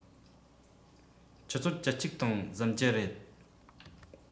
ཆུ ཚོད བཅུ གཅིག སྟེང གཟིམ གྱི རེད